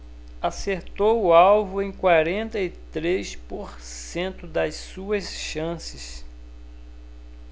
acertou o alvo em quarenta e três por cento das suas chances